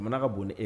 Amana ka bon e